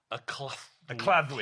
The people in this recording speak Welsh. Y cla-... Y claddwyd...